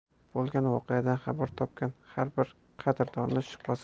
bo'lgan voqeadan xabar topgan har bir qadrdoni